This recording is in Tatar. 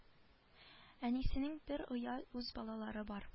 Әнисенең бер оя үз балалары бар